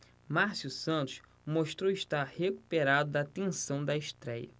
márcio santos mostrou estar recuperado da tensão da estréia